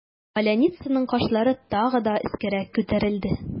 Поляницаның кашлары тагы да өскәрәк күтәрелде.